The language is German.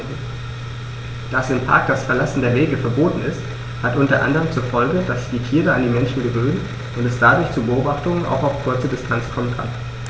Dass im Park das Verlassen der Wege verboten ist, hat unter anderem zur Folge, dass sich die Tiere an die Menschen gewöhnen und es dadurch zu Beobachtungen auch auf kurze Distanz kommen kann.